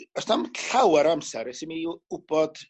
o's 'na'm llawer o amser ers i mi w- wbod